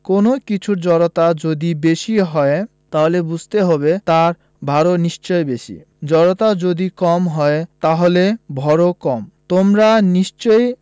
কোনো কিছুর জড়তা যদি বেশি হয় তাহলে বুঝতে হবে তার ভরও নিশ্চয়ই বেশি জড়তা যদি কম হয় তাহলে ভরও কম তোমরা নিশ্চয়ই